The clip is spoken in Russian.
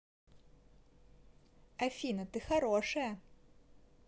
афина ты хорошая